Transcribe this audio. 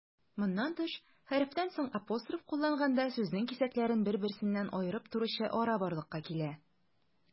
Моннан тыш, хәрефтән соң апостроф кулланганда, сүзнең кисәкләрен бер-берсеннән аерып торучы ара барлыкка килә.